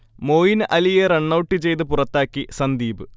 മോയിൻ അലിയെ റണ്ണൗട്ട് ചെയ്ത് പുറത്താക്കി സന്ദീപ്